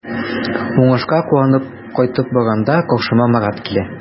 Уңышка куанып кайтып барганда каршыма Марат килә.